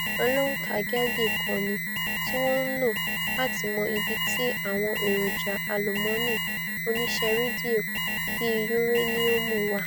Rogers: ''Olóǹkà Geiger kan ni, tíwọn ńlò latí mọ ibi ti àwọn èròja àlùmọ́ọ̀nì oníṣẹ́rédíò, bíi yureniọmu wà.